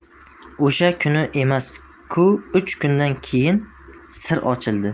o'sha kuni emas ku uch kundan keyin sir ochildi